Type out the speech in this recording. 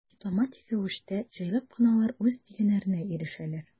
Дипломатик рәвештә, җайлап кына алар үз дигәннәренә ирешәләр.